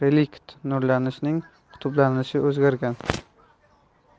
relikt nurlanishning qutblanishi o'zgargan